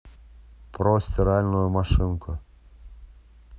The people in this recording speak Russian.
про стиральную машинку